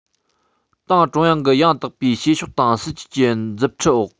ཏང ཀྲུང དབྱང གི ཡང དག པའི བྱེད ཕྱོགས དང སྲིད ཇུས ཀྱི མཛུབ ཁྲིད འོག